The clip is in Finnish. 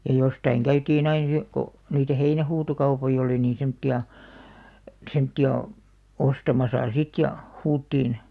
ja jostakin käytiin -- kun niitä heinähuutokauppoja oli niin semmoisia semmoisia ostamassa sitten ja huudettiin